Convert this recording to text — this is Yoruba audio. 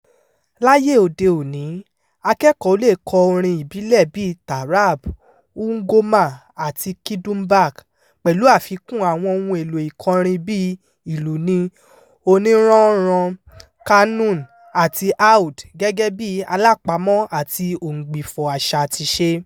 Láyé òde òní, akẹ́kọ̀ọ́ leè kọ́ orin ìbílẹ̀ bíi taarab, ngoma àti kidumbak, pẹ̀lú àfikún àwọn ohun èlò ìkọrin bíi ìlù ní oníranànran, qanun àti oud, gẹ́gẹ́ bí alápamọ́ — àti òǹgbifọ̀ — àṣà àti ìṣe.